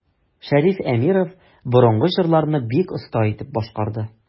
Шәриф Әмиров борынгы җырларны бик оста итеп башкарды.